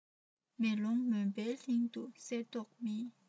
མེ ལོང མུན པའི གླིང དུ གསལ མདོག མེད